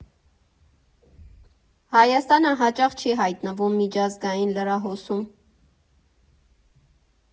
Հայաստանը հաճախ չի հայտնվում միջազգային լրահոսում։